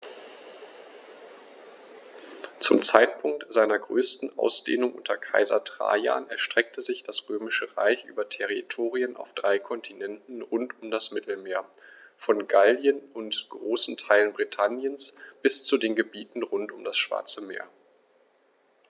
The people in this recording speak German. Zum Zeitpunkt seiner größten Ausdehnung unter Kaiser Trajan erstreckte sich das Römische Reich über Territorien auf drei Kontinenten rund um das Mittelmeer: Von Gallien und großen Teilen Britanniens bis zu den Gebieten rund um das Schwarze Meer.